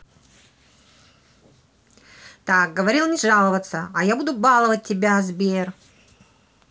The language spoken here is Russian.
так говорил не жаловаться а я буду баловать тебя сбер